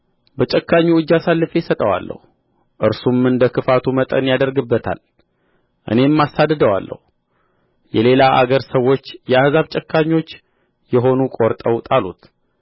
በጨካኙ እጅ አሳልፌ እሰጠዋለሁ እርሱም እንደ ክፋቱ መጠን ያደርግበታል እኔም አሳድደዋለሁ የሌላ አገር ሰዎች የአሕዛብ ጨካኞች የሆኑ ቈርጠው ጣሉት